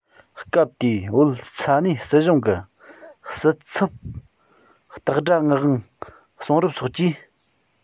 སྐབས དེའི བོད ས གནས སྲིད གཞུང གི སྲིད ཚབ སྟག སྒྲ ངག དབང གསུང རབས སོགས ཀྱིས